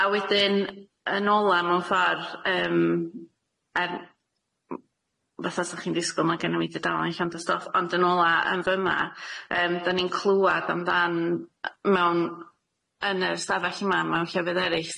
A wedyn yn ola mewn ffor yym er m- fatha sa chi'n disgwl ma' gynna fi dudalan llond o stwff ond yn ola yn fyma yym dyn ni'n clwad amdan yy mewn yn yr stafell yma mewn llefydd eryll